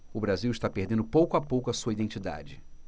o brasil está perdendo pouco a pouco a sua identidade